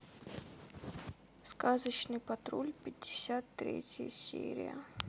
сказочный патруль пятьдесят третья серия